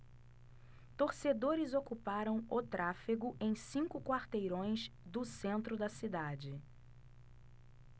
torcedores ocuparam o tráfego em cinco quarteirões do centro da cidade